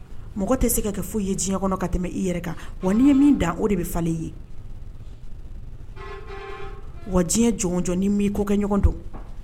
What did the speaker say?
Mɔgɔ tɛ se ka kɛ foyi ye diɲɛ kɔnɔ ka tɛmɛ i yɛrɛ kan wa ni ye min da o de bɛ falen ye wa diɲɛ jɔn jɔ ni mi ko kɛ ɲɔgɔn don